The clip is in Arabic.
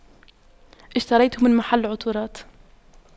اشتريت من محل عطورات